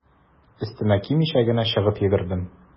Өстемә кимичә генә чыгып йөгердем.